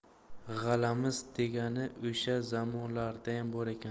g'alamis degani o'sha zamonlardayam bor ekan